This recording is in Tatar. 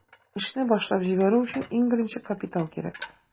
Эшне башлап җибәрү өчен иң беренче капитал кирәк.